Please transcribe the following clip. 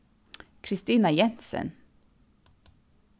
kristina jensen